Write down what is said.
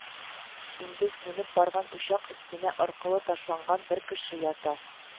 Инде сүнеп барган учак өстенә аркылы ташланган бер кеше ята